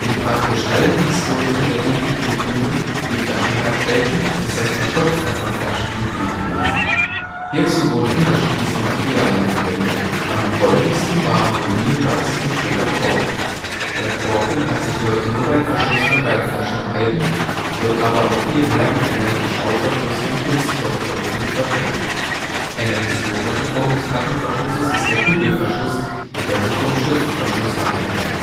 praktisch allen historisch untersuchten Kulturen, die Flaschen herstellten, ist das Verstopfen von Flaschen üblich gewesen. Hierzu wurden unterschiedlichste Materialien verwendet. Am gebräuchlichsten waren wohl Bienenwachs und später Kork. Der Korken hat sich heute nur beim Verschluss von Weinflaschen erhalten, wird aber auch hier mehr und mehr durch Schraubverschluss und Kunststoffstopfen verdrängt. Eine historische Form des Flaschenverschlusses ist der Kugelverschluss, der sich vom Schliffverschluss ableitet